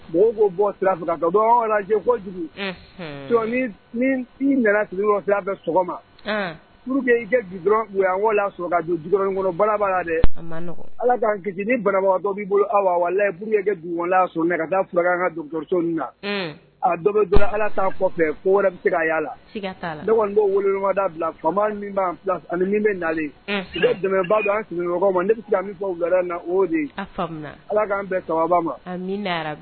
Mɔgɔw bɔ kojugu bɛ sɔgɔmauru bala k'an bana dɔ bolouru sɔrɔ ka da fila ka na dɔ ala' fɔ kɔfɛ fo wɛrɛ bɛ se la' woloda fa min b' ani bɛ nalen dɛmɛba an ma ne na o ala k'an bɛba ma